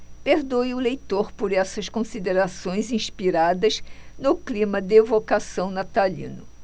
perdoe o leitor por essas considerações inspiradas no clima de evocação natalino